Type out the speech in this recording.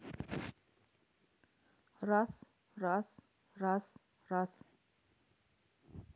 раз раз раз раз